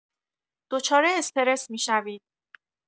دچار استرس می‌شوید.